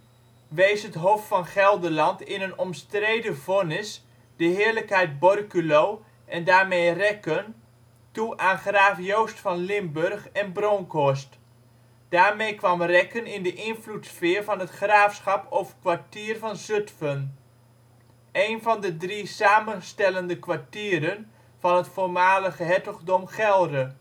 wees het Hof van Gelderland in een omstreden vonnis, de heerlijkheid Borculo en daarmee Rekken toe aan graaf Joost van Limburg en Bronkhorst. Daarmee kwam Rekken in de invloedssfeer van het graafschap of kwartier van Zutphen, een van de drie samenstellende kwartieren van het voormalige Hertogdom Gelre